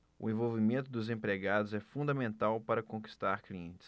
o envolvimento dos empregados é fundamental para conquistar clientes